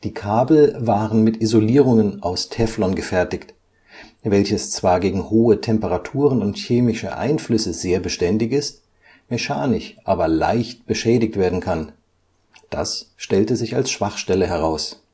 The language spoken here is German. Kabel waren mit Isolierungen aus Teflon gefertigt, welches zwar gegen hohe Temperaturen und chemische Einflüsse sehr beständig ist, mechanisch aber leicht beschädigt werden kann. Das stellte sich als Schwachstelle heraus